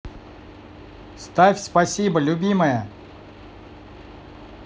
ставь спасибо любимая